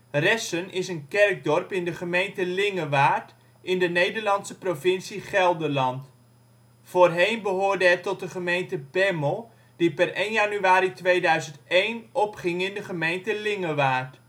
Ressen is een kerkdorp in de gemeente Lingewaard in de Nederlandse provincie Gelderland. Voorheen behoorde het tot de gemeente Bemmel, die per 1 januari 2001 opging in de gemeente Lingewaard